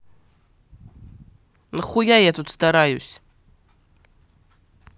нахуя я тут стараюсь